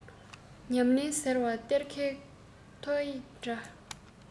ཉམས ལེན ཟེར བ གཏེར ཁའི ཐོ ཡིག འདྲ